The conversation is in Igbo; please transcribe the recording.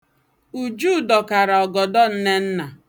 Uju dọkara ọgọdọ Nnenna.